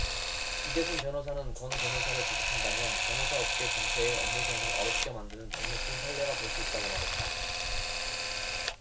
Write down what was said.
이대순 변호사는 권 변호사를 구속한다면 변호사업계 전체의 업무수행을 어렵게 만드는 잘못된 선례가 될 수 있다고 말했다